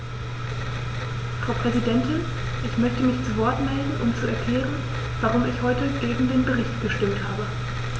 Frau Präsidentin, ich möchte mich zu Wort melden, um zu erklären, warum ich heute gegen den Bericht gestimmt habe.